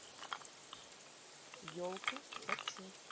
елку хочу